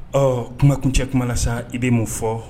Ɔ kumakun cɛ kuma sa i bɛ mun fɔ